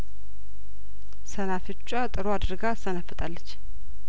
ሰናፍጯ ጥሩ አድርጋ ትሰነፍጣለች